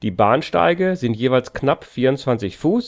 Bahnsteige sind jeweils knapp 24 Fuß